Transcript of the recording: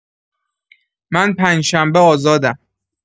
من پنجشنبه آزادم.